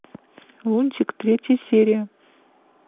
лунтик третья серия